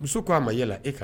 Muso k ko a ma yɛlɛ e ka